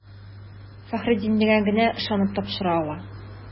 Фәхреддингә генә ышанып тапшыра ала.